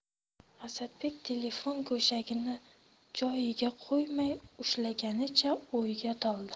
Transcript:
asadbek telefon go'shagini joyiga qo'ymay ushlaganicha o'yga toldi